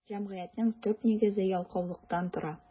Җәмгыятьнең төп нигезе ялкаулыктан тора.